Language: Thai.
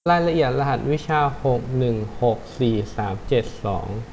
รายละเอียดรหัสวิชาหกหนึ่งหกสี่สามเจ็ดสอง